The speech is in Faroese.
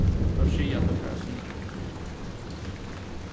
teir siga at teir fara at syngja